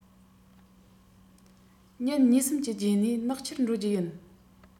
ཉིན གཉིས གསུམ གྱི རྗེས ནས ནག ཆུར འགྲོ རྒྱུ ཡིན